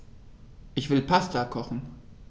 Ich will Pasta kochen.